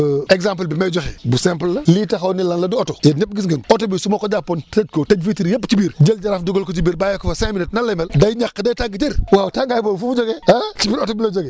exemple bi may joxe bu simple la lii taxaw nii lan la du oto yéen ñëpp gis ngeen ko oto bii su ma ko jàppoon tëj ko tëj vitres yëpp ci biir jël jaraaf dugal ko ci biir bàyyi ko fa cinq minutes nan lay mel day ñaq day tàng jër waaw tàngaay boobu fu mu jógee ah si biir oto bi la jógee